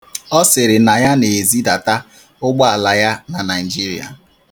Ọ sịrị na ya na-ezidata ụgbọala ya na Naijirịa.